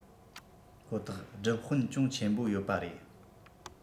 ཁོ ཐག སྒྲུབ དཔོན ཅུང ཆེན པོ ཡོད པ རེད